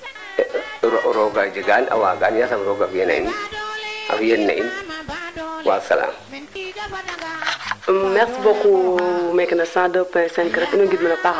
ina jaɓaŋsim na xoŋ no gonof fono sima ngolof yasam o gara nga mene fene yasam o gar meen mbaan roga xuma na in taamala a koɓ fo mbino ɓasil ne a suƴa nen o tan fojem yasam kude seentu na no paax ka yasam o yaaloxe fiyan na den